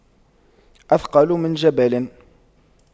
أثقل من جبل